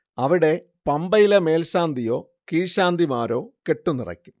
അവിടെ പമ്പയിലെ മേൽശാന്തിയോ കീഴ്ശാന്തിമാരോ കെട്ടു നിറയ്ക്കും